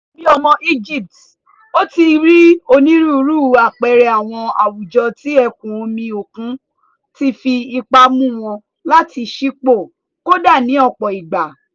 Gẹ́gẹ́ bí ọmọ Egypt, ó ti rí onírúurú àpẹẹrẹ àwọn àwùjọ tí ẹ̀kún-omi òkun tí fi ipa mú wọn láti ṣípò, kódà ní ọ̀pọ̀ ìgbà.